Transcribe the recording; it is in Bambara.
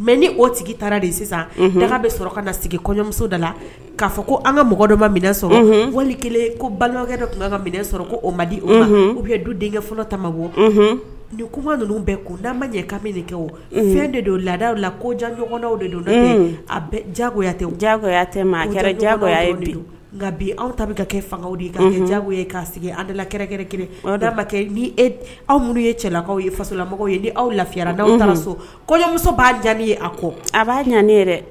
mɛ ni o tigi taara de sisan daga bɛ sɔrɔ ka na sigi kɔɲɔmuso da la k'a fɔ ko an ka mɔgɔ dɔ ma minɛ sɔrɔ nli kelen ko balimakɛ dɔ tun ka sɔrɔ koo madi o u bɛ du denkɛ fɔlɔ tama bɔ ni kuma ninnu bɛɛ kundaba ɲɛkami de kɛ o fɛn de don laadaw la ko janɲɔgɔnda de a bɛ jagoya diyakɔyatɛ ma diyakɔ nka bi aw ta bɛ kɛ fanga ka jago' sigi alalakɛɛrɛ kɛ ni aw minnuu ye cɛlakaw ye fasolamɔgɔ ye ni aw lafiyara aw taara so kɔɲɔmuso b'a jaabi a kɔ a b'a ɲ ne yɛrɛ